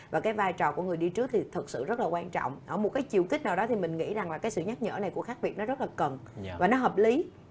và các vai trò của người đi trước thì thực sự rất là quan trọng ở một cái chiều kích nào đó thì mình nghĩ rằng là cái sự nhắc nhở này của khác việt nó rất là cần và nó hợp lý